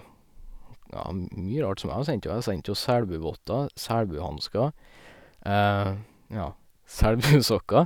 Ja, m mye rart som jeg har sendt ho, jeg har sendt ho selbuvotter, selbuhansker, ja, selbusokker.